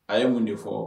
A ye mun de fɔ.